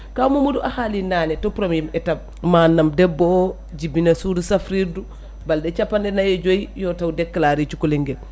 kaw Mamadou a haali nane to premier étape manam jibina suudu safrirdu balɗe capanɗe nayyi e joyyi yo taw déclare i cukalel nguel